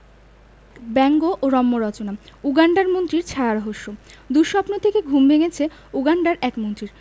ব্যঙ্গ ও রম্যরচনা উগান্ডার মন্ত্রীর ছায়ারহস্য দুঃস্বপ্ন দেখে ঘুম ভেঙেছে উগান্ডার এক মন্ত্রীর